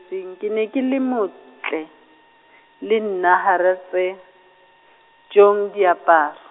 -tsing ke ne ke le motle, le nna hara tse, tjhong diaparo.